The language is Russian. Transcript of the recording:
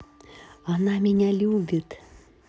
она меня любит